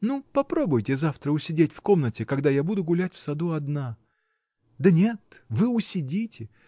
Ну попробуйте завтра усидеть в комнате, когда я буду гулять в саду одна. Да нет, вы усидите!